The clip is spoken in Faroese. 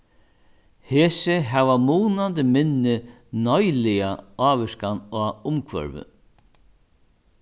hesi hava munandi minni neiliga ávirkan á umhvørvið